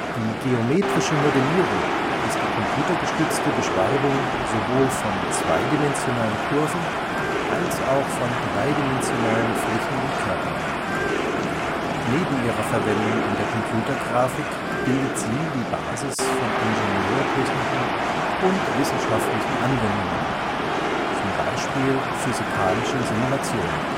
Die geometrische Modellierung ist die computergestützte Beschreibung sowohl von zweidimensionalen Kurven als auch von dreidimensionalen Flächen und Körpern. Neben ihrer Verwendung in der Computergrafik bildet sie die Basis von ingenieurtechnischen und wissenschaftlichen Anwendungen, zum Beispiel physikalischen Simulationen